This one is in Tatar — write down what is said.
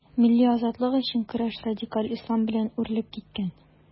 Милли азатлык өчен көрәш радикаль ислам белән үрелеп киткән.